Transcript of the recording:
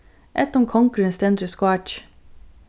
ella um kongurin stendur í skáki